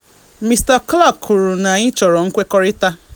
Mr Clark kwuru na “Anyị chọrọ nkwekọrịta,”